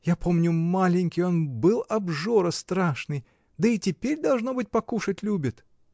Я помню, маленький он был обжора страшный, да и теперь, должно быть, покушать любит.